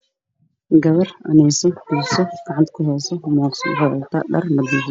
Gabar ooynaso gacanta ku haysa waliso wadato dhar mad madow eh